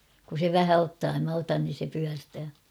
kun se vähän ottaa ja minä otan niin se pyörtää